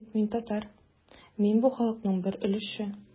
Ләкин мин бит татар, мин бу халыкның бер өлеше.